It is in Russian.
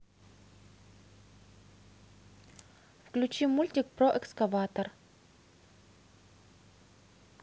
включи мультик про экскаватор